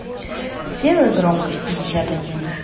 сделай громкость пятьдесят один